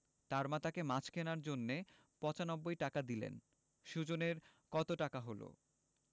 তার মা তাকে মাছ কেনার জন্য ৯৫ টাকা দিলেন সুজনের কত টাকা হলো